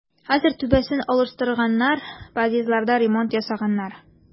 Хәзер түбәсен алыштырганнар, подъездларда ремонт ясаганнар.